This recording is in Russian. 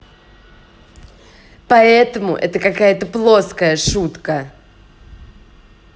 поэтому это какая то плоская шутка